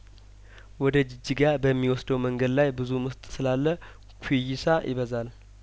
ወደ ጂጂጋ በሚወስደው መንገድ ላይ ብዙም ስጥ ስላለኩ ይሳ ይበዛል